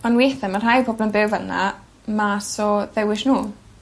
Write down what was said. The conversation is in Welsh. On' withe ma' rhai pobol yn byw fel 'na mas o ddewish n'w.